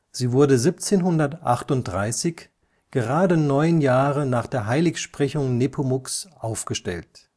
Sie wurde 1738, gerade neun Jahre nach der Heiligsprechung Nepomuks, aufgestellt